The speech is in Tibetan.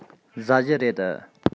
ཟ རྒྱུ རེད